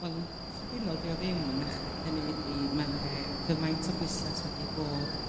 Wel yn gyffredinol 'di o ddim yn nachdi hynny ydi ma' 'ne gymaint o bwyslais wedi bod